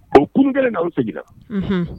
O kunun kelen in na u seginna. Unhun